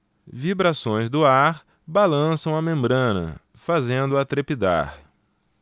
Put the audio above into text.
vibrações do ar balançam a membrana fazendo-a trepidar